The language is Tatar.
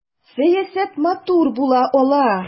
Сәясәт матур була ала!